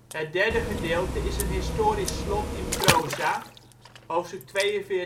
Het derde gedeelte is een historisch slot in proza (42:7-15